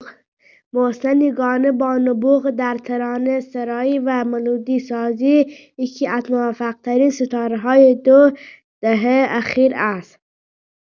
محسن یگانه با نبوغ در ترانه‌سرایی و ملودی‌سازی، یکی‌از موفق‌ترین ستاره‌های دو دهه اخیر است.